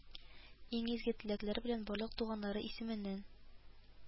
Иң изге теләкләр белән барлык туганнары исеменнән